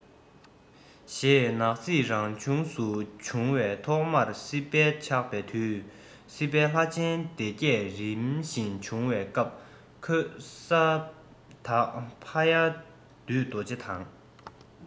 ཞེས ནག རྩིས རང ལུགས སུ བྱུང བའི ཐོག མར སྲིད པ ཆགས པའི དུས སུ སྲིད པའི ལྷ ཆེན སྡེ བརྒྱད རིམ བཞིན བྱུང བའི སྐབས གོང འཁོད ས བདག ཕ ཡ བདུད རྡོ རྗེ དང